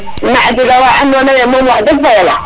nda a jega wa ando naye moom wax deg fa yala